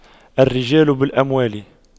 الرجال بالأموال